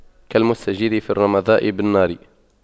كالمستجير من الرمضاء بالنار